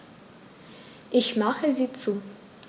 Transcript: Ich mache sie zu.